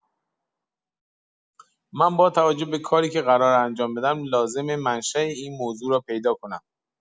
من با توجه به کاری که قراره انجام بدم لازمه منشا این موضوع رو پیدا کنم.